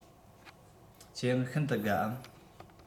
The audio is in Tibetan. ཁྱེད ཡང ཤིན ཏུ དགའ འམ